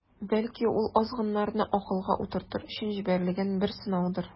Бәлки, ул азгыннарны акылга утыртыр өчен җибәрелгән бер сынаудыр.